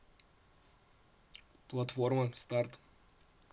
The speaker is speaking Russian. платформа старт